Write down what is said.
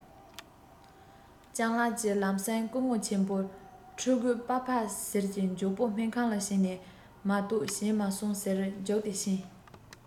སྤྱང ལགས ཀྱིས ལམ སེང སྐུ ངོ ཆེན མོ ཕྲུ གུས པྰ ཕ ཟེར གྱིས མགྱོགས པོ སྨན ཁང ལ ཕྱིན ན མ གཏོགས བྱས མ སོང ཟེར རྒྱུགས ཏེ ཕྱིན